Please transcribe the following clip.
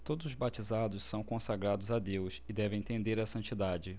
todos os batizados são consagrados a deus e devem tender à santidade